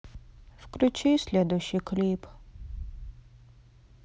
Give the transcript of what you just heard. включи следующий клип